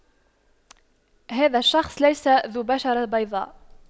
هذا الشخص ليس ذو بشرة بيضاء